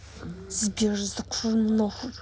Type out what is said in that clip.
сбер закрой нахуй